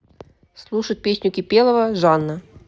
слушать песню кипелова жанна